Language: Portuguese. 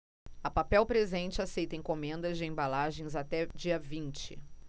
a papel presente aceita encomendas de embalagens até dia vinte